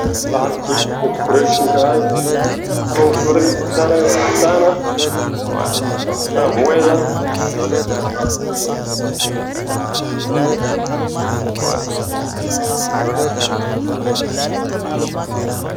Meeshaan waa beerta. Lagu ciyaarsiiyo ilmaha yaryar ka